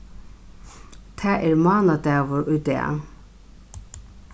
tað er mánadagur í dag